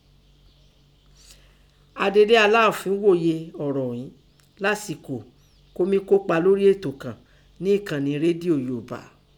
Adelé Aláàfin ghòyè ọ̀rọ̀ ìín lásìkò kọ́ mí kópa lórí ètò kàn nẹ́ ẹ̀kànnì rédíò Yoòbá.